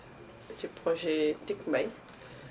ci projet tic mbay